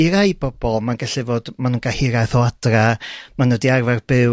i rai bobol ma'n gallu fod manw'n ga'l hiraeth o adra ma' n'w 'di arfar byw